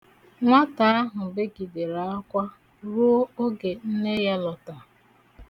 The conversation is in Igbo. Nwata ahụ begidere akwa ruo oge nne ya lọta.